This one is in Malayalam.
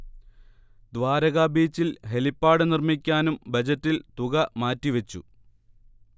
ദ്വാരകാ ബീച്ചിൽ ഹെലിപ്പാഡ് നിർമിക്കാനും ബജറ്റിൽ തുക മാറ്റിവെച്ചു